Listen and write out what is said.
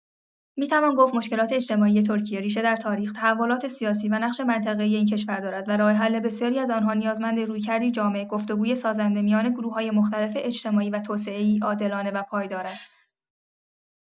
می‌توان گفت مشکلات اجتماعی ترکیه ریشه در تاریخ، تحولات سیاسی و نقش منطقه‌ای این کشور دارد و راه‌حل بسیاری از آنها نیازمند رویکردی جامع، گفت‌وگوی سازنده میان گروه‌های مختلف اجتماعی و توسعه‌ای عادلانه و پایدار است.